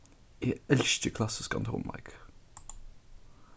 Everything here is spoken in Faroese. eg elski klassiskan tónleik